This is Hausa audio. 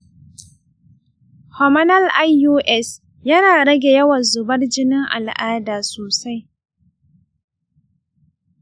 hormonal ius yana rage yawan zubar jinin al’ada sosai.